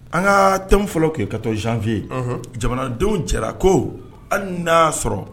An ka te fɔlɔ kɛ katɔ zfiye jamanadenw jara ko hali naa sɔrɔ